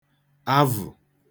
avụ